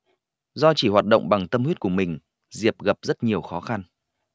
do chỉ hoạt động bằng tâm huyết của mình diệp gặp rất nhiều khó khăn